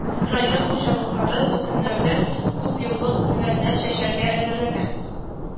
Район хуҗалыклары бу көннәрдә күпъеллык үләннәр чәчәргә әзерләнә